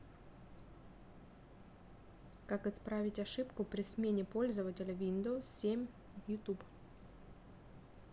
как исправить ошибку при смене пользователя windows семь youtube